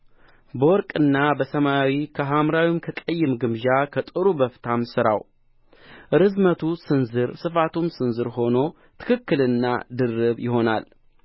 በወርቅና በሰማያዊ ከሐምራዊም ከቀይም ግምጃ ከጥሩ በፍታም ሥራው ርዝመቱ ስንዝር ስፋቱም ስንዝር ሆኖ ትክክልና ድርብ ይሆናል